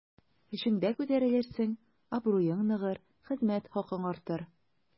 Эшеңдә күтәрелерсең, абруең ныгыр, хезмәт хакың артыр.